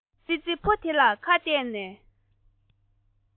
ཙི ཙི ཕོ དེ ལ ཁ གཏད ནས